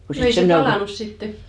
ei se palanut sitten